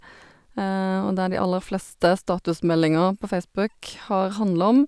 Og det de aller fleste statusmeldinger på Facebook har handla om.